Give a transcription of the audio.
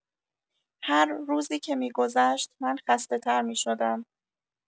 هر روزی که می‌گذشت من خسته‌تر می‌شدم.